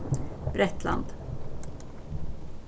bretland